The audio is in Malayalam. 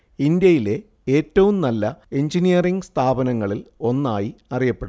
ഇന്ത്യയിലെ ഏറ്റവും നല്ല എഞ്ചിനീയറിങ് സ്ഥാപനങ്ങളിൽ ഒന്നായി അറിയപ്പെടുന്നു